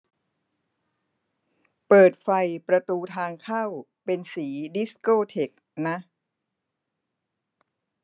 เปิดไฟประตูทางเข้าเป็นสีดิสโก้เทคนะ